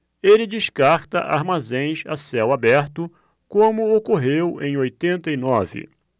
ele descarta armazéns a céu aberto como ocorreu em oitenta e nove